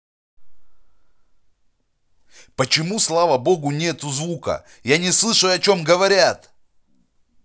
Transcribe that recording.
почему слава богу нету звука я не слышу о чем говорят